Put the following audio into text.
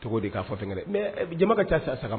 Cogo'a fɔ jama ka taa sa